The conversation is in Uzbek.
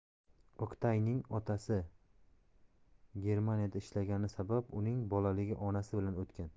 oktayning otasi germaniyada ishlagani sabab uning bolaligi onasi bilan o'tgan